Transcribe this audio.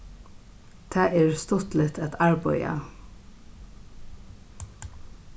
tað er stuttligt at arbeiða